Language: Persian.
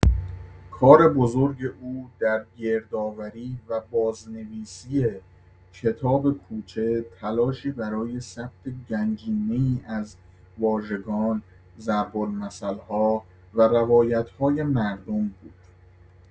کار بزرگ او در گردآوری و بازنویسی «کتاب کوچه» تلاشی برای ثبت گنجینه‌ای از واژگان، ضرب‌المثل‌ها و روایت‌های مردم بود.